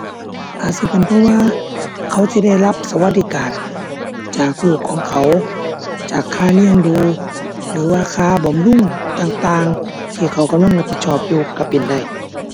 อาจสิเป็นเพราะว่าเขาสิได้รับสวัสดิการ จากลูกของเขาจากค่าเลี้ยงดูหรือว่าค่าบำรุงต่างต่าง ที่เขากำลังรับผิดชอบอยู่ก็เป็นได้